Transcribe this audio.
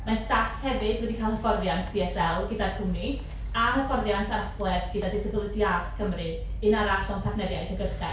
Mae staff hefyd wedi cael hyfforddiant BSL gyda'r cwmni, a hyfforddiant abledd gyda Disability Arts Cymru, un arall o'n partneriaid hygyrchedd.